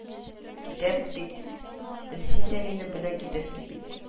– китәбез бит, син дә минем белән китәсен бит